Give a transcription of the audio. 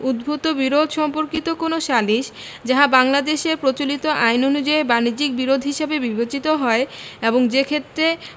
উদ্ভুত বিরোধ সম্পর্কিত কোন সালিস যাহা বাংলাদেশের প্রচলিত আইন অনুযায়ী বাণিজ্যিক বিরোধ হিসাবে বিবেচিত হয় এবং যেক্ষেত্রে